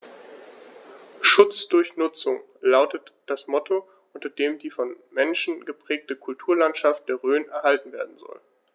„Schutz durch Nutzung“ lautet das Motto, unter dem die vom Menschen geprägte Kulturlandschaft der Rhön erhalten werden soll.